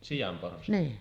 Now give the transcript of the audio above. sian porsaita